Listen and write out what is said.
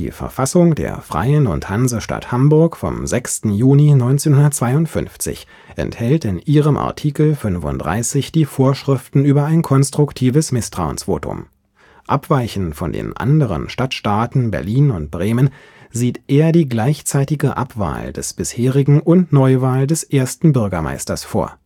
Verfassung der Freien und Hansestadt Hamburg vom 6. Juni 1952 enthält in ihrem Artikel 35 die Vorschriften über ein konstruktives Misstrauensvotum: Abweichend von den anderen Stadtstaaten Berlin und Bremen sieht er die gleichzeitige Abwahl des bisherigen und Neuwahl des Ersten Bürgermeisters vor